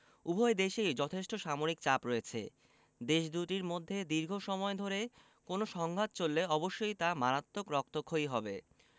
উভয় দেশেই যথেষ্ট সামরিক চাপ রয়েছে দেশ দুটির মধ্যে দীর্ঘ সময় ধরে কোনো সংঘাত চললে অবশ্যই তা মারাত্মক রক্তক্ষয়ী হবে